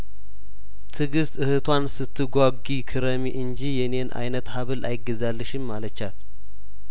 ትግስት እህቷን ስትጓጉ ክረሚ እንጂ የኔን አይነት ሀብል አይገዛልሽም አለቻት